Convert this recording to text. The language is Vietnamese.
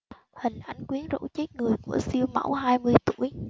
hình ảnh quyến rũ chết người của siêu mẫu hai mươi tuổi